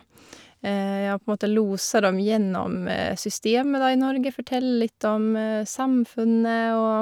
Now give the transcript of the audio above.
Jeg på en måte loser dem gjennom systemet, da, i Norge, forteller litt om samfunnet og...